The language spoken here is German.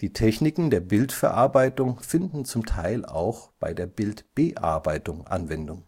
Techniken der Bildverarbeitung finden zum Teil auch bei der Bildbearbeitung Anwendung